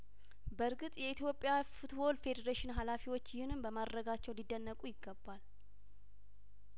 በእርግጥ የኢትዮጵያ ፉትቦል ፌዴሬሽን ሀላፊዎች ይህንን በማድረጋቸው ሊደነቁ ይገባል